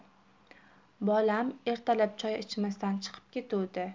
bolam ertalab choy ichmasdan chiqib ketuvdi